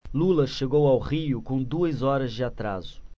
lula chegou ao rio com duas horas de atraso